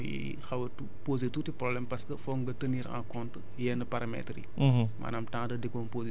voilà utilisation peut être mooy xaw a posezr tuuti problème parce que foog nga tenir en compte yenn paramètes yi